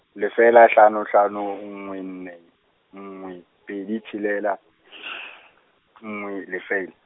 lefela hlano hlano nngwe nne, nngwe, pedi tshelela , nngwe lefela.